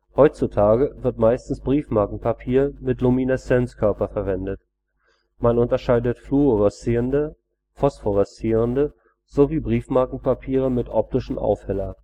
Heutzutage wird meistens Briefmarkenpapier mit Lumineszenzkörper verwendet. Man unterscheidet fluoreszierende, phosphoreszierende sowie Briefmarkenpapiere mit optischem Aufheller